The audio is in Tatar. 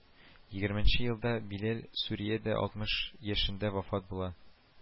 Егерменче елда биләл сүриядә алтмыш яшендә вафат була